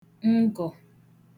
ngọ̀